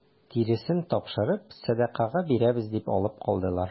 Тиресен тапшырып сәдакага бирәбез дип алып калдылар.